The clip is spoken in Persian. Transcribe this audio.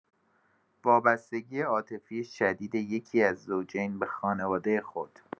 وابستگی عاطفی شدید یکی‌از زوجین به خانواده خود